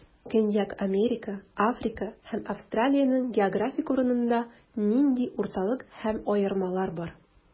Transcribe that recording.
Көньяк Америка, Африка һәм Австралиянең географик урынында нинди уртаклык һәм аермалар бар?